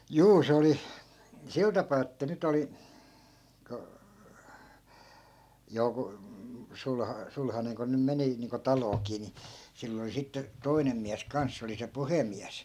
juu se oli sillä tapaa että nyt oli kun joku - sulhanen kun nyt meni niin kuin taloonkin niin sillä oli sitten toinen mies kanssa se oli se puhemies